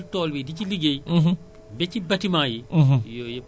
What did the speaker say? ci lu jëm ci tracteurs yi houe yi ñoom seen charette yi